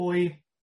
mwy